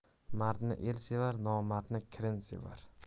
mardni el sevar nomardni kirn sevar